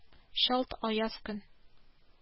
ЧАЛТ АЯЗ КӨН